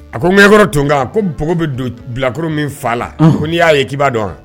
A ko Ɲɛɲɛkɔrɔtonkan ko npogo be don bilakoro min fa la unhun ko n'i y'a ye k'i b'a dɔn a